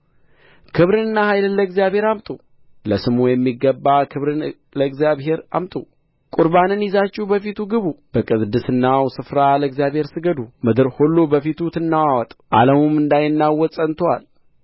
ክብርን ለእግዚአብሔር አምጡ ቍርባንን ይዛችሁ በፊቱ ግቡ በቅድስናው ስፍራ ለእግዚአብሔር ስገዱ ምድር ሁሉ በፊቱ ትነዋወጥ ዓለሙም እንዳይናወጥ ጸንቶአል